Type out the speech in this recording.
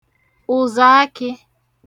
ụ̀zàakị̄